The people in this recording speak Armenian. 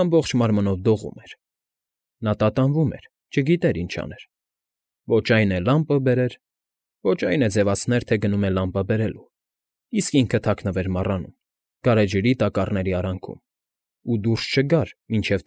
Ամբողջ մարմնով դողում էր։ նա տատանվում էր, չգիտեր ինչ աներ, ոչ այն է լամպը բերեր, ոչ այն է ձևացներ, թե գնում է լամպը բերելու, իսկ ինքը թաքնվեր մառանում, գարեջրի տակառների արանքում ու դուրս չգար, մինչև։